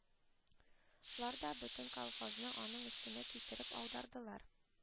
Лар да бөтен колхозны аның өстенә китереп аудардылар